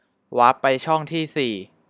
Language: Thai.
วาปไปช่องที่สี่